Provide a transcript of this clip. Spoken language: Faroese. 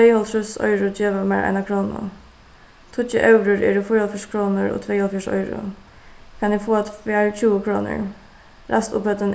tvey hálvtrýssoyru geva mær eina krónu tíggju evrur eru fýraoghálvfjerðs krónur og tveyoghálvfjerðs oyru kann eg fáa tvær tjúgukrónur